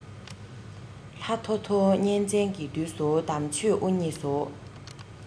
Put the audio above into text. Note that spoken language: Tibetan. ལྷ ཐོ ཐོ གཉན བཙན གྱི དུས སུ དམ ཆོས དབུ བརྙེས སོ